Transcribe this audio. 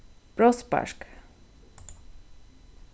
brotsspark